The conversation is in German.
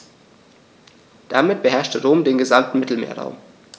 Damit beherrschte Rom den gesamten Mittelmeerraum.